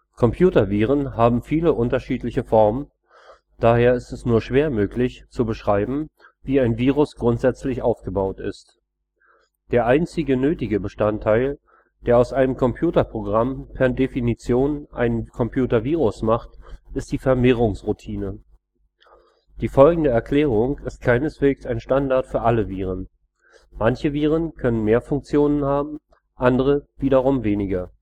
Computerviren haben viele unterschiedliche Formen, daher ist es nur schwer möglich, zu beschreiben, wie ein Virus grundsätzlich aufgebaut ist. Der einzige nötige Bestandteil, der aus einem Computerprogramm per Definition einen Computervirus macht, ist die Vermehrungsroutine. Die folgende Erklärung ist keineswegs ein Standard für alle Viren. Manche Viren können mehr Funktionen haben, andere wiederum weniger